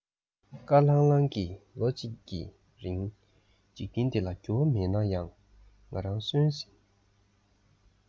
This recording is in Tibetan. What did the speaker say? དཀར ལྷང ལྷང གི ལོ ངོ གཅིག གི རིང འཇིག རྟེན འདི ལ འགྱུར བ མེད ན ཡང ང ནར སོན ཟིན